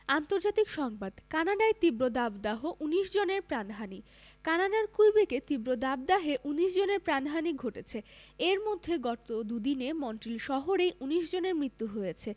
আন্তর্জাতিক সংবাদ কানাডায় তীব্র দাবদাহ ১৯ জনের প্রাণহানি কানাডার কুইবেকে তীব্র দাবদাহে ১৯ জনের প্রাণহানি ঘটেছে এর মধ্যে গত দুদিনে মন্ট্রিল শহরেই ১৯ জনের মৃত্যু হয়েছে